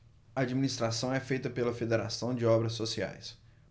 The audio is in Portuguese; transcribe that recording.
a administração é feita pela fos federação de obras sociais